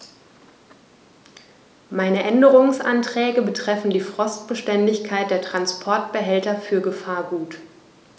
Meine Änderungsanträge betreffen die Frostbeständigkeit der Transportbehälter für Gefahrgut.